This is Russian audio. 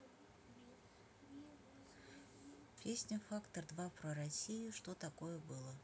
песня фактор два про россию что такое было